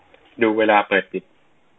ดูเวลาเปิดปิด